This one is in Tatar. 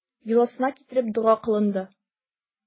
Йоласына китереп, дога кылынды.